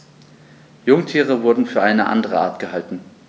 Jungtiere wurden für eine andere Art gehalten.